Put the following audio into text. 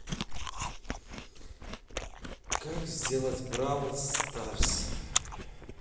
как сделать бравл старс